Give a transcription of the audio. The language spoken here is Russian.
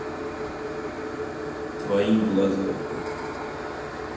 твои глаза